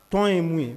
Tɔn ye mun ye